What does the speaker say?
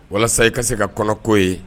Walasa i ka se ka kɔko ye